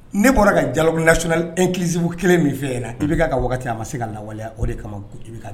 Ne bɔra ka ja las e kisin kelen min fɛ yen na i bɛ ka waati a ma se ka la o de kama jo